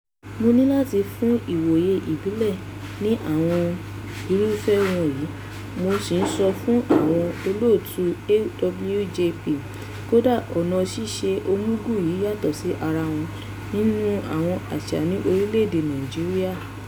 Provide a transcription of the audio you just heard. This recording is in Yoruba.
"Mo ní láti fún ìwòye ìbílẹ̀ ní àwọn irúfẹ́ wọ̀nyí...mò ń sọ fún wọn [olóòtú AWJP] kódà ọ̀nà ṣíṣe omugwo yìí yàtọ̀ sí ará wọn nínú àwọn àṣà ní orílẹ̀ èdè Nàìjíríà.